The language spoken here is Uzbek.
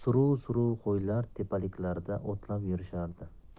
qo'ylar tepaliklarda o'tlab yurishardi